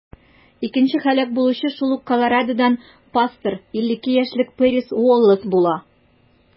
Икенче һәлак булучы шул ук Колорадодан пастор - 52 яшьлек Пэрис Уоллэс була.